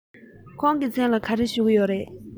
ཁོང གི མཚན ལ ག རེ ཞུ གི ཡོད རེད